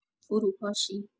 فروپاشی.